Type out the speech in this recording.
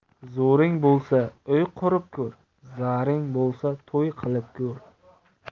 zo'ring bo'lsa uy qurib ko'r zaring bo'lsa to'y qilib ko'r